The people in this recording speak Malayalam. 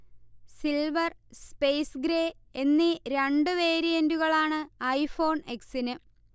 സിൽവർ, സ്പേ്സ് ഗ്രേ എന്നീ രണ്ടു വേരിയന്റുകളാണ് ഐഫോൺ എക്സിന്